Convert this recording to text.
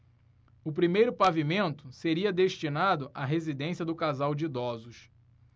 o primeiro pavimento seria destinado à residência do casal de idosos